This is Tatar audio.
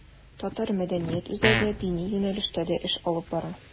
Татар мәдәният үзәге дини юнәлештә дә эш алып бара.